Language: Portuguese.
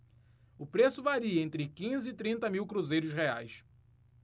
o preço varia entre quinze e trinta mil cruzeiros reais